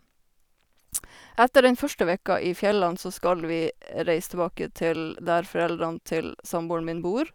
Etter den første vekka i fjella så skal vi reise tilbake til der foreldrene til samboeren min bor.